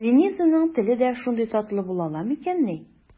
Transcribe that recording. Ленизаның теле дә шундый татлы була ала микәнни?